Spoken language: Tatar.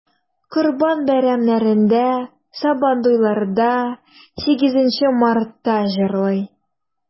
Корбан бәйрәмнәрендә, Сабантуйларда, 8 Мартта җырлый.